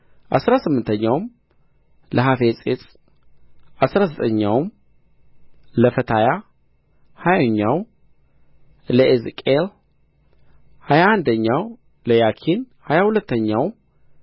አሥራ ስምንተኛው ለሃፊጼጽ አሥራ ዘጠኝኛው ለፈታያ ሀያኛው ለኤዜቄል ሀያ አንደኛው ለያኪን ሀያ ሁለተኛው